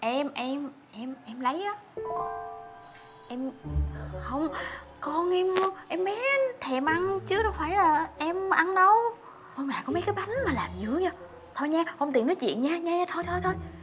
em em em em lấy á em hông con em em bé nó thèm ăn chứ đâu phải là em ăn đâu thôi mà có mấy cái bánh mà làm dữ dợ thôi nha hông tiện nói chuyện nha thôi thôi thôi